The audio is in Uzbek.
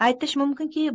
aytish mumkinki